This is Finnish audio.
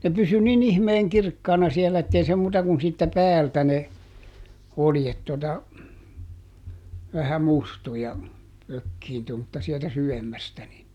ne pysyi niin ihmeen kirkkaana siellä että ei se muuta kuin siitä päältä ne oljet tuota vähän mustui ja ökiintyi mutta sieltä syvemmästä niin